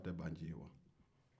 a ko e fa tɛ baa nci ye wa